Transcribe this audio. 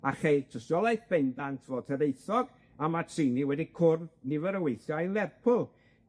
A chei tystiolaeth bendant fod Hiraethog a Mazzini wedi cwrdd nifer o weithiau yn Lerpwl,